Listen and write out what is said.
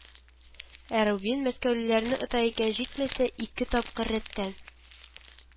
Ә Рубин мәскәүлеләрне ота икән җитмәсә ике тапкыр рәттән